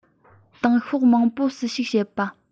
ཏང ཤོག མང པོ སྲིད ཞུགས བྱེད པ